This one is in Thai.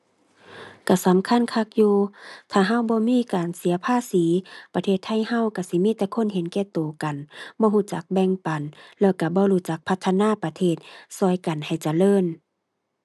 ก็สำคัญคักอยู่ ถ้าก็บ่มีการเสียภาษี ประเทศไทยก็ก็สิมีแต่คนเห็นแก่ก็กัน บ่ก็จักแบ่งปัน แล้วก็บ่รู้จักพัฒนาประเทศก็กันให้เจริญ